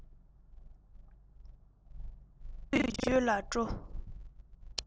མདོར བསྡུས བརྗོད ལ སྤྲོ